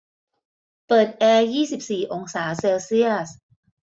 เปิดแอร์ยี่สิบสี่องศาเซลเซียส